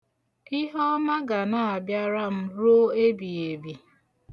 Ihe ọma ga na-abịara m ruo ebighiebi.